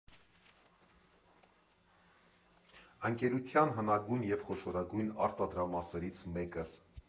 Ընկերության հնագույն և խոշորագույն արտադրամասերից մեկը։